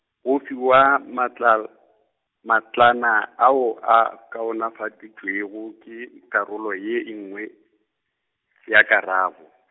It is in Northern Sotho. go fiwa, matlal-, matlwana ao a kaonafaditšwego, ke karolo ye ngwe, ya karabo.